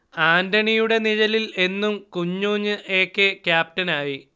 ആന്റണിയുടെ നിഴലിൽ എന്നും കുഞ്ഞൂഞ്ഞ് എ. കെ. ക്യാപ്റ്റനായി